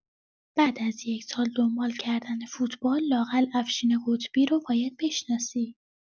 بعد از یک سال دنبال‌کردن فوتبال لااقل افشین قطبی رو باید بشناسی!